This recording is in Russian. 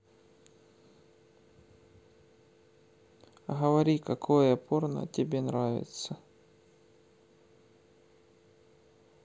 говори какое порно тебе нравится